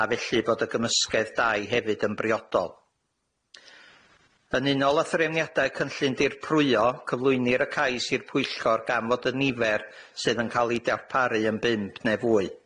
a felly fod y gymysgedd dai hefyd yn briodol. Yn unol a threfniadau cynllun dirprwyo, cyflwynir y cais i'r Pwyllgor gan fod y nifer sydd yn cael ei darparu yn bump neu fwy.